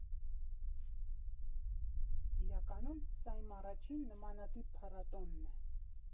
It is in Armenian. Իրականում, սա իմ առաջին նմանատիպ փառատոնն է։